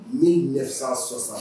Min ɲɛsa sɔsan